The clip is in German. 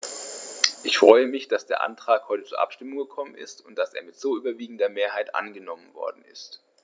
Ich freue mich, dass der Antrag heute zur Abstimmung gekommen ist und dass er mit so überwiegender Mehrheit angenommen worden ist.